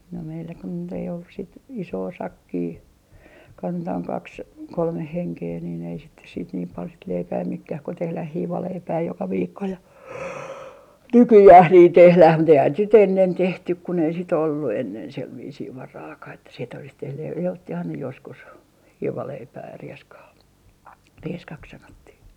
no meillä kun nyt ei ollut sitten isoa sakkia kantamaan kaksi kolme henkeä niin ei sitten sitten niin paljon sitten leipää menekään kun tehdään hiivaleipää joka viikko ja nykyään niin tehdään mutta eihän sitten ennen tehty kun ei sitten ollut ennen sen viisiin varaakaan että sitten olisi tehnyt ja ottihan ne joskus hiivaleipää ja rieskaa rieskaksi sanottiin